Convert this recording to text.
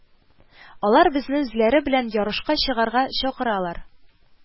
Алар безне үзләре белән ярышка чыгарга чакыралар